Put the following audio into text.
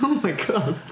Oh my god.